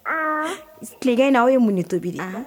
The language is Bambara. Aa tilekɛ in na aw ye mun tobili